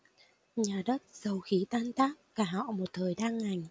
nhà đất dầu khí tan tác cả họ một thời đa ngành